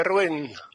Berwyn.